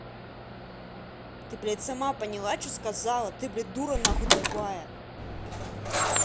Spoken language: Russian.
ты блядь сама поняла че сказала ты блядь дура нахуй тупая